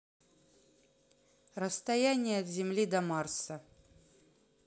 расстояние от земли до марса